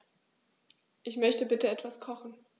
Ich möchte bitte etwas kochen.